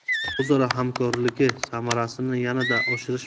o'zaro hamkorligi samarasini yanada oshirish